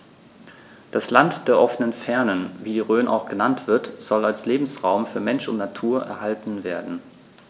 Das „Land der offenen Fernen“, wie die Rhön auch genannt wird, soll als Lebensraum für Mensch und Natur erhalten werden.